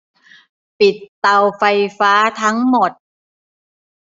ปิดเตาไฟฟ้าทั้งหมด